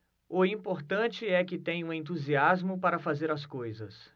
o importante é que tenho entusiasmo para fazer as coisas